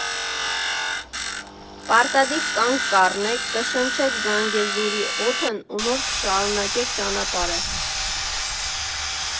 Պարտադիր կանգ կառնեք, կշնչեք Զանգեզուրի օդն ու նոր կշարունակեք ճանապարհը.